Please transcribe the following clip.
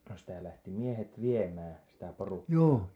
no sitä lähti miehet viemään sitä porukkaa